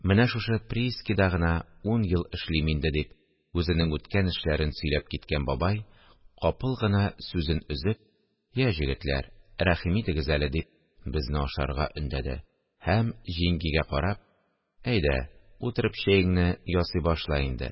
– менә шушы приискада гына ун ел эшлим инде, – дип, үзенең үткән эшләрен сөйләп киткән бабай, капыл гына сүзен өзеп: – йә, җегетләр, рәхим итегез әле! – дип, безне ашарга өндәде һәм, җиңгигә карап: – әйдә, утырып чәеңне ясый башла инде!.. хәдичә кайда? ул да килсен, читтән килгән кунаклар белән сөйләшеп утырыйк, – дигән сүзләрне өстәде